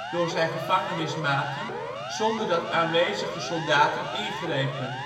door zijn gevangenismaten, zonder dat aanwezige soldaten erbij ingrepen